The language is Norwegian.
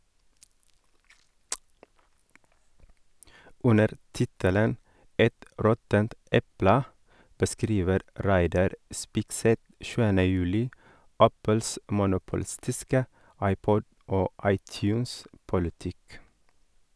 Under tittelen «Et råttent eple» beskriver Reidar Spigseth 7. juli Apples monopolistiske iPod- og iTunes- politikk.